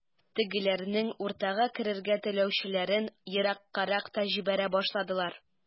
Тегеләрнең уртага керергә теләүчеләрен ераккарак та җибәрә башладылар.